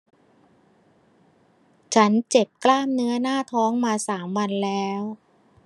ฉันเจ็บกล้ามเนื้อหน้าท้องมาสามวันแล้ว